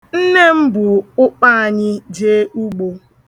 Nne m bu ụkpa anyị jee ugbo.